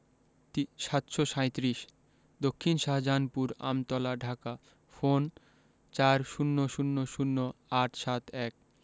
তি ৭৩৭ দক্ষিন শাহজাহানপুর আমতলা ঢাকা ফোন ৪০০০ ৮৭১